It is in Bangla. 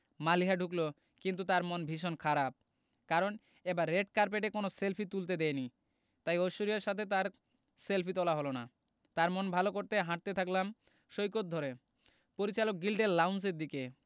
মালিহা ঢুকলো কিন্তু তার মন ভীষণ খারাপ কারণ এবার রেড কার্পেটে কোনো সেলফি তুলতে দেয়নি তাই ঐশ্বরিয়ার সাথে তার সেলফি তোলা হলো না তার মন ভালো করতে হাঁটতে থাকলাম সৈকত ধরে পরিচালক গিল্ডের লাউঞ্জের দিকে